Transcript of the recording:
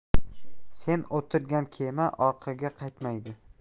sen o'tirgan kema orqaga qaytmaydi